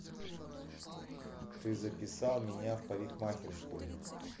ты записал меня в парикмахерскую